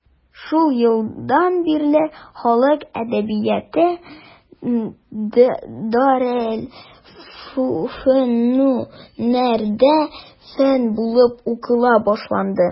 Шул елдан бирле халык әдәбияты дарелфөнүннәрдә фән булып укыла башланды.